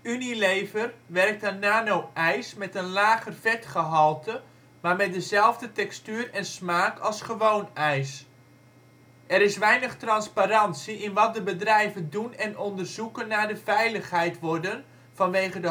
Unilever werkt aan nano-ijs met een lager vetgehalte, maar met dezelfde textuur en smaak als gewoon ijs. Er is weinig transparantie in wat de bedrijven doen en onderzoeken naar de veiligheid worden, vanwege